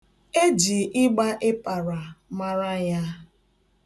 E ji ịgba ịpara mara ya.